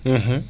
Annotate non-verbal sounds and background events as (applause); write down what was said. (hesitation) (hesitation)